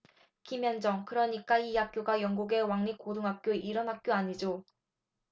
김현정 그러니까 이 학교가 영국의 왕립고등학교 이런 학교 아니죠